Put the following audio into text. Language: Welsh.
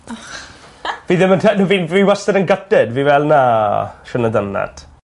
Och. Fi ddim yn te- fi'n dwi wastad yn gutted fi fel na shouldn ave done that.